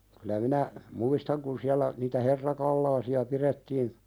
kyllä minä muistan kun siellä niitä herrakalaasia pidettiin